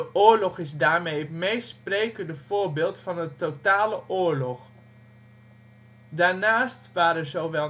oorlog is daarmee het meest sprekende voorbeeld van een totale oorlog. Daarnaast waren zowel